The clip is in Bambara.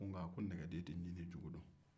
ko nka nɛgɛden tɛ ɲidenjugu dɔn